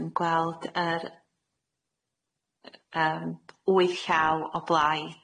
Dwi'n gweld yr yym wyth llaw o blaid.